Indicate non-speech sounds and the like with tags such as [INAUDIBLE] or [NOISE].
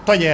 [HESITATION] [HESITATION]